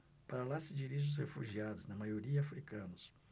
para lá se dirigem os refugiados na maioria hútus